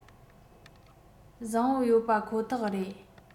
བཟང པོ ཡོད པ ཁོ ཐག རེད